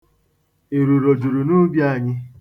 Iruro juru n'ubi anyị.